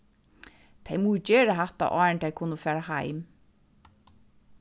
tey mugu gera hatta áðrenn tey kunnu fara heim